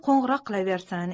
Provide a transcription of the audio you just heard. qo'ng'iroq qilaversin